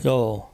joo